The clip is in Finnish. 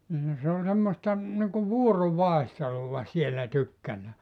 niin se on semmoista niin kuin vuorovaihtelua siellä tykkänään